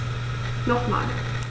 Nochmal.